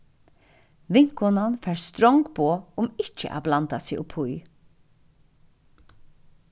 vinkonan fær strong boð um ikki at blanda seg uppí